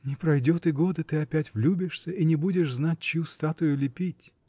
— Не пройдет и года, ты опять влюбишься и не будешь знать, чью статую лепить.